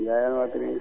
Ndiaye ana waa kër gi